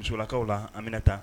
Musolakaw la anmina taa